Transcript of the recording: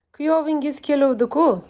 kuyovingiz keluvdi ku